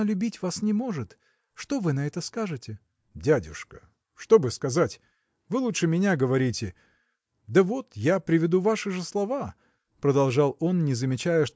она любить вас не может – что вы на это скажете? – Дядюшка, что бы сказать? Вы лучше меня говорите. Да вот я приведу ваши же слова – продолжал он не замечая